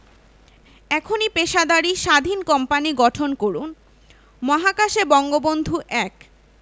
এখনই পেশাদারি স্বাধীন কোম্পানি গঠন করুন মহাকাশে বঙ্গবন্ধু ১